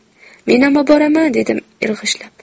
menam oboraman dedim irg'ishlab